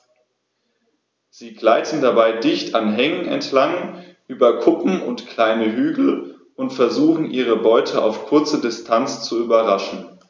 Sie gleiten dabei dicht an Hängen entlang, über Kuppen und kleine Hügel und versuchen ihre Beute auf kurze Distanz zu überraschen.